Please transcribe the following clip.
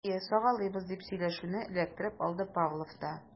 Әйе, сагалыйбыз, - дип сөйләшүне эләктереп алды Павлов та.